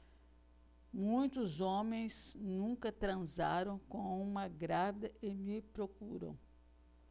muitos homens nunca transaram com uma grávida e me procuram